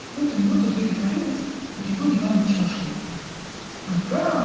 В эту минуту дверь отворилась, и Григорий Иванович вошел. -- Ага!